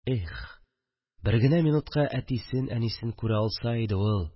Эх, бер генә минутка әтисен-әнисен күрә алса иде ул